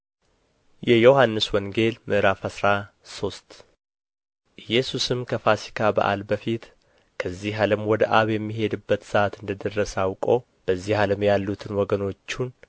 የዮሐንስ ወንጌል ምዕራፍ አስራ ሶስት ኢየሱስም ከፋሲካ በዓል በፊት ከዚህ ዓለም ወደ አብ የሚሄድበት ሰዓት እንደ ደረሰ አውቆ በዚህ ዓለም ያሉትን ወገኖቹን